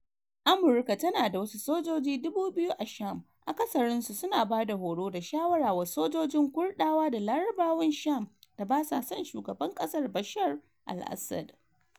Amurka tana da wasu sojoji 2,000 a Sham, akasarinsu su na ba da horo da shawara wa sojojin Kurdawa da Larabawan Sham da basa son Shugaban kasar Bashar al-Assad.